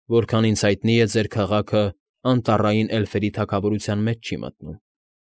Որքան ինձ հայտնի է, ձեր քաղաքը անտառային էլֆերի թագավորության մեջ չի մտնում։